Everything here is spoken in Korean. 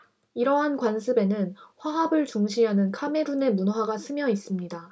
이러한 관습에는 화합을 중시하는 카메룬의 문화가 스며 있습니다